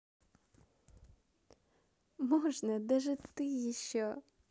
можно даже ты еще